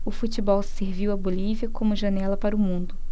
o futebol serviu à bolívia como janela para o mundo